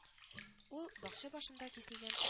Ул бакча башындагы киселгән